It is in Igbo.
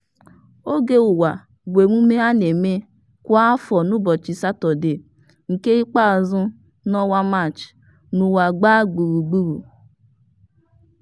Earth Hour bụ emume a na-eme kwa afọ n'ụbọchị Stọdee nke ịkpazụ n'ọnwa Maachị, n'ụwa gbaa gburugburu.